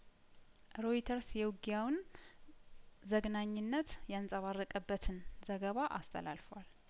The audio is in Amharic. ሮይተርስ የውጊያውን ዘግናኝነት ያንጸባረቀ በትን ዘገባ አስተላልፏል